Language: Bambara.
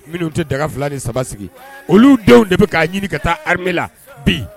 Minnu tɛ daga fila ni saba sigi olu denw de bɛ k'a ɲini ka taa hamela bi